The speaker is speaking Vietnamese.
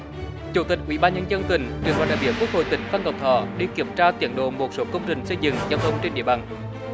chủ tịch ủy ban nhân dân tỉnh tuyên quang đại biểu quốc hội tỉnh phan ngọc thọ đi kiểm tra tiến độ một số công trình xây dựng giao thông trên địa bàn